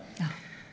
ja.